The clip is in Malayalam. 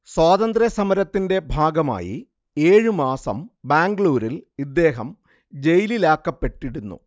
സ്വാതന്ത്ര സമരത്തിന്റെ ഭാഗമായി ഏഴുമാസം ബാംഗ്ലൂരിൽ ഇദ്ദേഹം ജയിലിലാക്കപ്പെട്ടിരുന്നു